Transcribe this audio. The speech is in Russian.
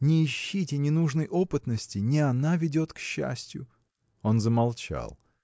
не ищите ненужной опытности: не она ведет к счастью. Он замолчал.